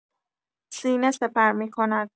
سینه سپر می‌کند.